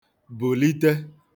bùlite